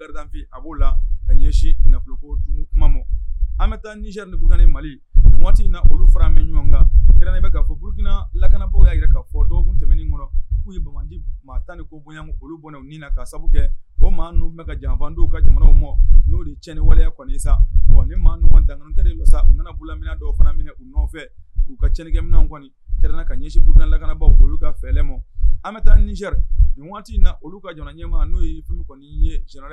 An ɲɔgɔn kanurukina lakanabagaw'aa fɔ tɛmɛn kɔnɔ k'u ye bamananji maa tan ni ko bɔyan olu bɔn u na ka sabu kɛ o maa bɛ ka jan ka jamana ma n'o de cɛn ni waleya kɔni sa ni maa ɲɔgɔn dankɛ la u nana bolomin dɔw fana minɛ u nɔfɛ u ka cɛnkɛminɛ kɔni kɛrɛn ka ɲɛsin burukina lakanabagaww olu ka fɛɛlɛ ma an bɛ taari waati in na olu ka jamana ɲɛma n'u ye kɔni ye ye